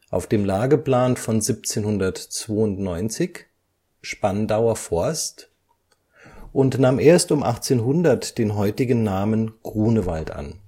auf dem Lageplan von 1792 „ Spandauer Forst “(Königliches Spandausches Forst Revier) und nahm erst um 1800 den heutigen Namen „ Grunewald “an